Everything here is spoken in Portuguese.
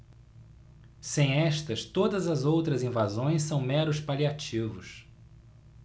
sem estas todas as outras invasões são meros paliativos